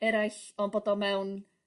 eraill ond bod o mewn